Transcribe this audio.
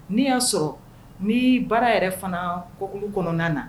N'i y'a sɔrɔ ni baara yɛrɛ fana kok kɔnɔna na